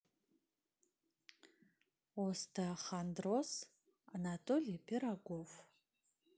остеохондроз анатолий пирогов